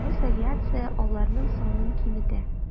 Росавиация аларның санын киметә.